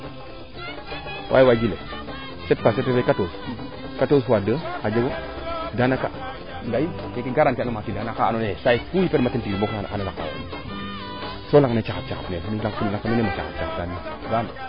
wa wa wajile sept fa sept refe quatoze quatoze fois :far deux daanaka ye garantie uuma no tige xa ando naye saayfu yipuupa tige ana caxat xaxat nel